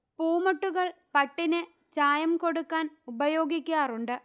പൂമൊട്ടുകൾ പട്ടിന് ചായം കൊടുക്കാൻ ഉപയോഗിക്കാറുണ്ട്